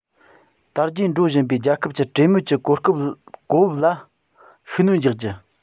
དར རྒྱས འགྲོ བཞིན པའི རྒྱལ ཁབ ཀྱི གྲོས མོལ གྱི གོ བབ ལ ཤུགས སྣོན རྒྱག རྒྱུ